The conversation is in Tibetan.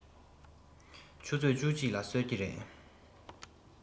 ཆུ ཚོད བཅུ གཅིག ལ གསོད ཀྱི རེད